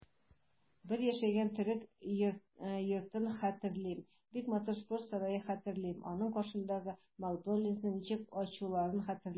Без яшәгән төрек йортын хәтерлим, бик матур спорт сараен хәтерлим, аның каршында "Макдоналдс"ны ничек ачуларын хәтерлим.